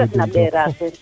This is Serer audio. tar fu refna ɓeraa teen